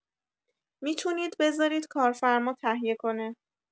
می‌تونید بزارید کارفرما تهیه کنه